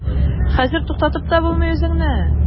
Хәзер туктатып та булмый үзеңне.